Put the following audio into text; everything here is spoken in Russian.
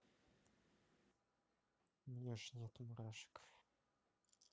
у меня ж нет мурашек